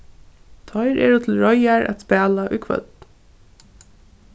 teir eru til reiðar at spæla í kvøld